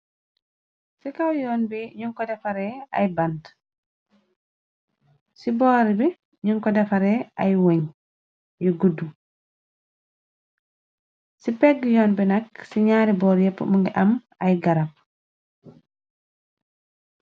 Ci kaw yoon bi u ko defaree ay bante ci boor bi ñun ko defaree ay woñ yu guddu ci pegg yoon bi nak ci ñaari boor yepp mungi am ay garab.